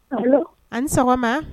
Paul an ni sɔgɔma